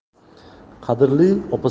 qadrli opa